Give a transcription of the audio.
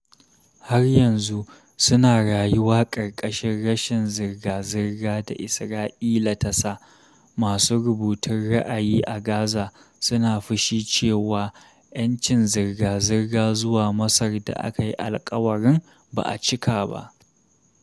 Har yanzu suna rayuwa ƙarƙashin rashin zirga-zirga da Isra’ila tasa, masu rubutun ra'ayi a Gaza suna fushi cewa ƴanncin zirga-zirga zuwa Masar da aka yi alkawarin ba'a cika ba.